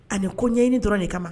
Ani ko ɲɛɲini dɔrɔn de kama.